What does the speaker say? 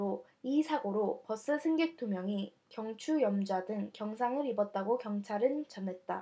이 사고로 버스 승객 두 명이 경추염좌 등 경상을 입었다고 경찰은 전했다